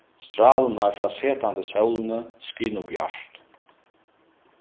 strálurnar frá setandi sólini skinu bjart